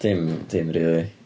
Dim dim rili.